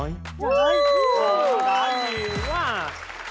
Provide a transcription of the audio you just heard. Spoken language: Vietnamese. hỏi nhiều quá